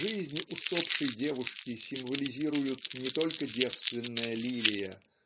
жизнь усопшей девушки символизируют не только девственная лилия